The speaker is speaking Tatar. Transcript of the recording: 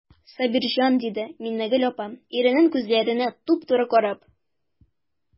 Сабирҗан,– диде Миннегөл апа, иренең күзләренә туп-туры карап.